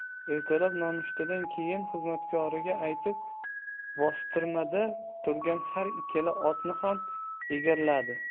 ertalab nonushtadan keyin xizmatkoriga aytib bostirmada turgan har ikkala otni ham egarlatdi